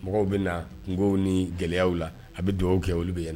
Mɔgɔw bɛ na kungow ni gɛlɛyaw la, a bɛ dugawu kɛ olu bɛ ɲɛ